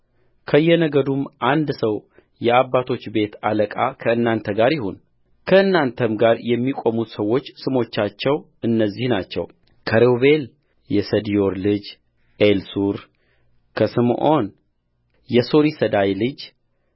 ከየነገዱም አንድ ሰው የአባቶቹ ቤት አለቃ ከእናንተ ጋር ይሁንከእናንተም ጋር የሚቆሙት ሰዎች ስሞቻቸው እነዚህ ናቸው ከሮቤል የሰዲዮር ልጅኤሊሱር ከስምዖን የሱሪሰዳይ ልጅ